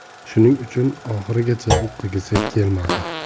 shuning uchun oxirigacha o'qigisi kelmadi